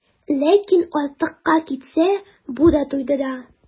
Ләкин артыкка китсә, бу да туйдыра.